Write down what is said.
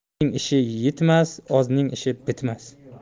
ko'pning ishi yitmas ozning ishi bitmas